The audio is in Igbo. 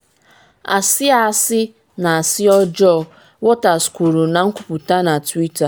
“Asị, asị, na asị ọjọọ,” Waters kwuru na nkwuputa na Twitter.